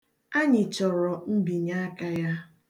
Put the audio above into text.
Anyị chọrọ mbinyeaka ya.